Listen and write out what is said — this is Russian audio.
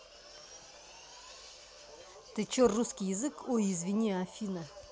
ты че русский язык ой извини афина